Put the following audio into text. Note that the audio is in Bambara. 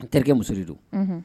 N terikɛ musori don